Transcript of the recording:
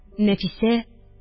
Нәфисә: